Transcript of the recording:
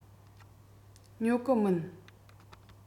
ཉོ གི མིན